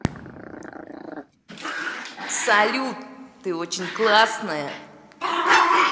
салют ты очень классная